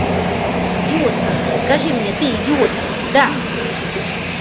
идиотка скажи мне ты идиотка да